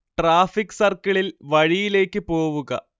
traffic സർക്കിളിൽ, വഴിയിലേക്ക് പോവുക